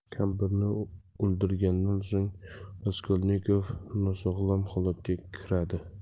kampirni o'ldirgandan so'ng raskolnikov nosog'lom holatga kiradi